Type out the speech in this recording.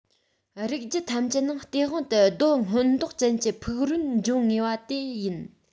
རིགས རྒྱུད ཐམས ཅད ནང སྟེས དབང དུ རྡོ སྔོན མདོག ཅན གྱི ཕུག རོན འབྱུང ངེས པ དེ ཡིན